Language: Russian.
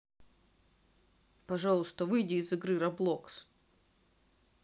пожалуйста выйди из игры roblox